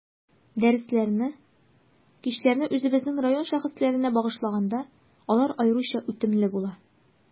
Дәресләрне, кичәләрне үзебезнең район шәхесләренә багышлаганда, алар аеруча үтемле була.